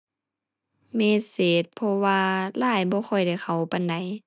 เมสเซจ เพราะว่า LINE บ่ค่อยได้เข้าปานใด